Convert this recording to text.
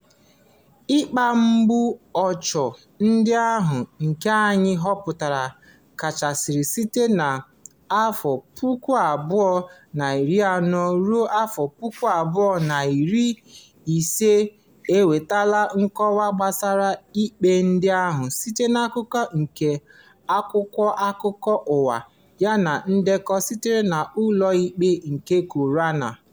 Ikpe igbu ọchụ ndị ahụ nke anyị họpụtara kachasị site na 2012 ruo 2016. E nwetara nkọwa gbasara ikpe ndị ahụ site n'akụkọ nke akwụkwọ akụkọ ụwa yana ndekọ sitere n'Ụlọikpe nke Korona.